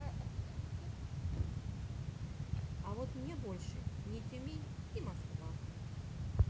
а вот мне больше не тюмень и москва